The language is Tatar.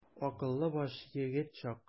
Акыллы баш, егет чак.